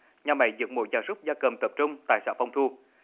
nhà máy giết mổ gia súc gia cầm tập trung tại xã phong thu